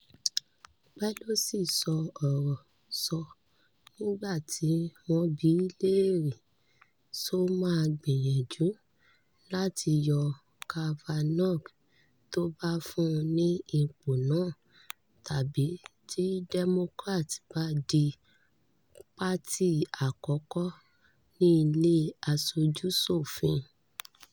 Pelosi ṣọ́ ọ̀rọ̀ sọ nígbà tí wọ́n bíi léèrè ṣó máa gbìyànjú láti yọ Kavanaugh t’ọ́n bá fun ní ipò náà tàbí tí Democrats bá di pátì àkọ́kọ́ ni Ile Aṣojú-ṣòfin